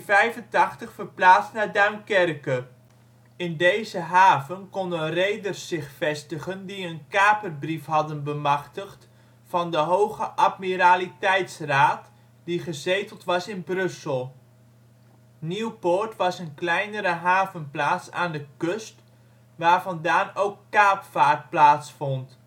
1585 verplaatst naar Duinkerke. In deze haven konden reders zich vestigen die een kaperbrief hadden bemachtigd van de Hoge Admiraliteitsraad die gezeteld was in Brussel. Nieuwpoort was een kleinere havenplaats aan de kust waarvandaan ook kaapvaart plaatsvond